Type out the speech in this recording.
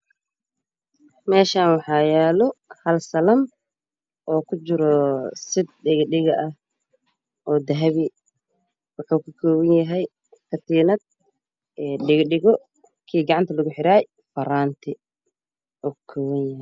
Halkan waxaa yala jal saban waxaa ku jira sed dahabi ah wuxuu ka koban yahay dhego ka tinad faranti jijin